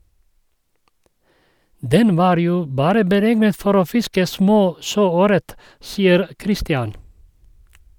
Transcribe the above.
Den var jo bare beregnet for å fiske små sjøøret, sier Christian.